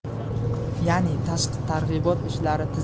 ya'ni tashqi targ'ibot ishlari